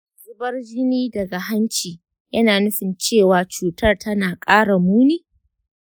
shin zubar jini daga hanci yana nufin cewa cutar tana ƙara muni?